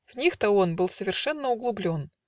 В них-то он Был совершенно углублен.